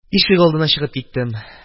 Ишегалдына чыгып киттем